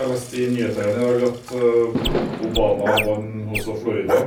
Jeg leste i nyhetene i dag at Obama vant også Florida.